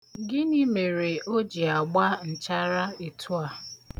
Gịnị mere ọ ji agba nchara etu a?